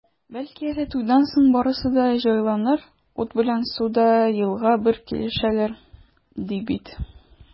Бәлки әле туйдан соң барысы да җайланыр, ут белән су да елга бер килешәләр, ди бит.